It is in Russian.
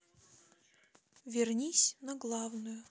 вернись на главную